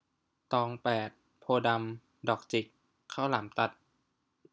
ตองแปดโพธิ์ดำดอกจิกข้าวหลามตัด